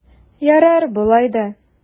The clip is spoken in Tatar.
Ярар болай да!